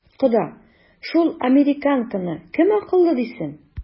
Кода, шул американканы кем акыллы дисен?